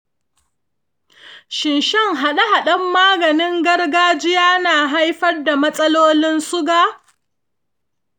shin shan haɗe-haɗen maganin gargajiya na haifar da matsalolin suga?